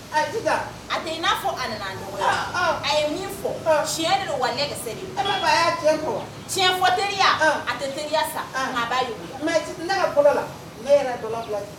A tɛ i na fɔ a nana n dɔgɔya. A ye min fɔ tiɲɛ de walaye kisɛ don . tiɲɛ fɔ teriya a tɛ teriya sa , nga ba yoboyaba